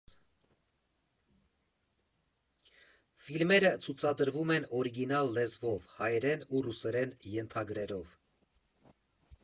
Ֆիլմերը ցուցադրվում են օրիգինալ լեզվով՝ հայերեն ու ռուսերեն ենթագրերով։